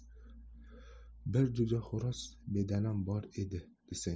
bir jo'jaxo'roz bedanam bor edi desang